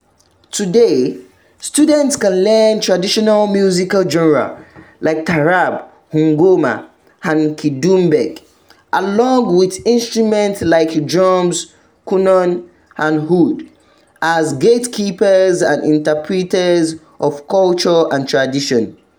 Today, students can learn traditional musical genres like taarab, ngoma and kidumbak, along with instruments like drums, qanun and oud, as gatekeepers — and interpreters — of culture and tradition.